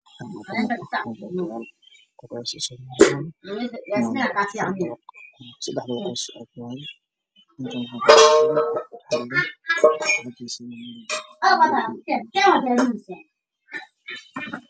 Meeshan waxaa ku yaallo guri dambas ah waxaa ka dambeeyo shan dabaq oo isku eg oo kiiba ka kooban yahay shambiyaano midabkiisu yahay cadaan iyo ma madow